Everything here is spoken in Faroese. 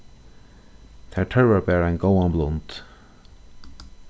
tær tørvar bara ein góðan blund